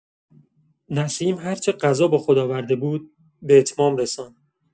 نسیم هرچه غذا با خود آورده بود، به اتمام رساند.